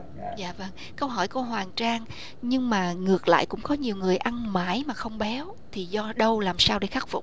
dạ vầng câu hỏi của hoàng trang nhưng mà ngược lại cũng có nhiều người ăn mãi mà không béo thì do đâu làm sao để khắc phục